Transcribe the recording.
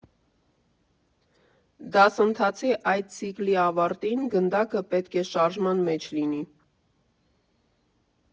Դասընթացի այդ ցիկլի ավարտին գնդակը պետք է շարժման մեջ լինի։